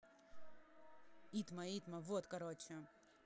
итмо итмо вот короче